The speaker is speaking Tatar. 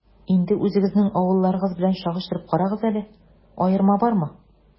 Инде үзегезнең авылларыгыз белән чагыштырып карагыз әле, аерма бармы?